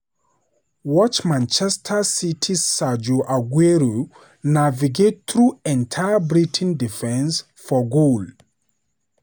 Watch: Manchester City's Sergio Aguero navigates through entire Brighton defense for goal